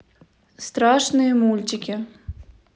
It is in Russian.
страшные мультики